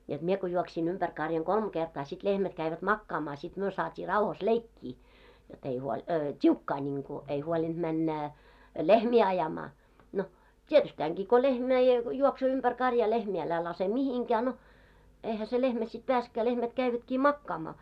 jotta minä kun juoksin ympäri karjan kolme kertaa sitten lehmät kävivät makaamaan sitten me saatiin rauhassa leikkiä jotta ei huoli tiukkaa niin kuin ei huolinut mennä lehmiä ajamaan no tietystikin kun lehmä ja juoksee ympäri karjaa lehmiä älä laske mihinkään no eihän se lehmä sitten päässytkään lehmät kävivätkin makaamaan